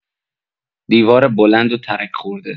دیوار بلند و ترک‌خورده